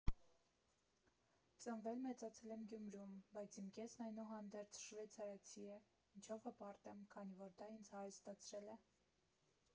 «Ծնվել, մեծացել եմ Գյումրում, բայց իմ կեսն այնուհանդերձ շվեյցարացի է, ինչով հպարտ եմ, քանի որ դա ինձ հարստացրել է։